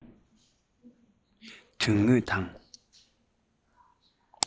དོན དངོས དང